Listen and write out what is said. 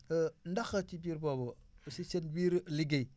ndax ci diir boobu si seen biir liggéey